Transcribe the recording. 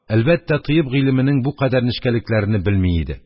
Әлбәттә, тыйб гыйльменең бу кадәр нечкәлекләрене белми иде.